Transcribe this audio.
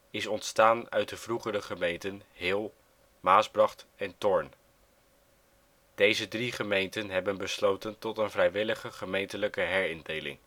is ontstaan uit de vroegere gemeenten Heel, Maasbracht en Thorn. Deze drie gemeenten hebben besloten tot een vrijwillige gemeentelijke herindeling